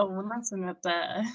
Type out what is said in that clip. O, ma' hwnna'n syniad da!